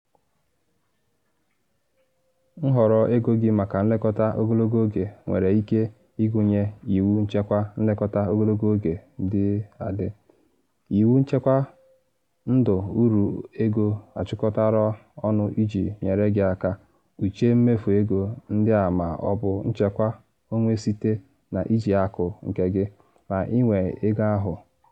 Nhọrọ ego gị maka nlekọta ogologo oge nwere ike ịgụnye iwu nchekwa nlekọta ogologo oge dị adị, iwu nchekwa ndụ uru-ego achịkọtara ọnụ iji nyere gị aka kpuchie mmefu ego ndị a ma ọ bụ nchekwa-onwe site na iji akụ nke gị - ma ị nwee ego ahụ.